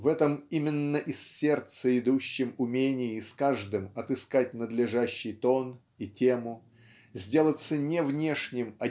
в этом именно из сердца идущем уменье с каждым отыскать надлежащий тон и тему сделаться не внешним